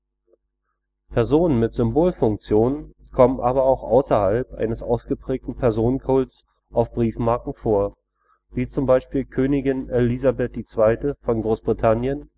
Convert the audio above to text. Personen mit Symbolfunktionen kommen aber auch außerhalb eines ausgeprägten Personenkults auf Briefmarken vor, wie z. B. Königin Elisabeth II. von Großbritannien